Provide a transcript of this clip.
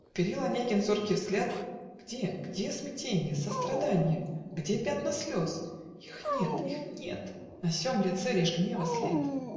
Вперил Онегин зоркий взгляд: Где, где смятенье, состраданье? Где пятна слез?. Их нет, их нет! На сем лице лишь гнева след.